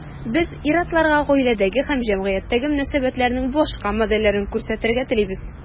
Без ир-атларга гаиләдәге һәм җәмгыятьтәге мөнәсәбәтләрнең башка модельләрен күрсәтергә телибез.